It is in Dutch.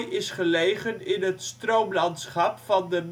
is gelegen in het stroomlandschap van de